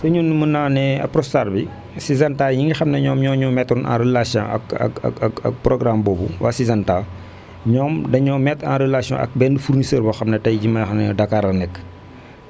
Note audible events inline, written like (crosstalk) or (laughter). si ñun mun naa ne Apronstar bi Syngenta ñi nga xam ne ñoo ñu mettre en relation ak ak ak programme boobu waa Syngenta ñoom dañoo mettre en relation ak benn fournisseur boo xam ne tey jii may wax ak yow Dakar la nekk (noise)